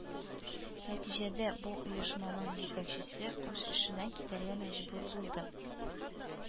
Нәтиҗәдә бу оешманың җитәкчесе үз эшеннән китәргә мәҗбүр булды